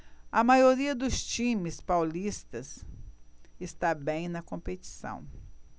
a maioria dos times paulistas está bem na competição